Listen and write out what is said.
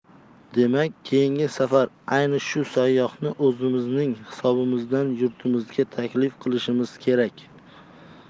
demak keyingi safar ayni shu sayyohni o'zimizning hisobimizdan yurtimizga taklif qilishimiz kerak